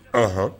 Hɔn